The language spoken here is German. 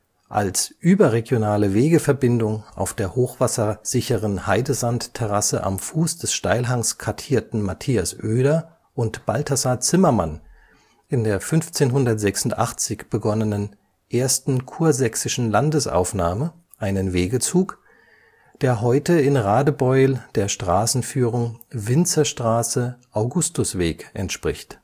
Als überregionale Wegeverbindung auf der hochwassersicheren Heidesandterrasse am Fuß des Steilhangs kartierten Matthias Oeder und Balthasar Zimmermann in der 1586 begonnenen Ersten Kursächsischen Landesaufnahme einen Wegezug, der heute in Radebeul der Straßenführung Winzerstraße/Augustusweg entspricht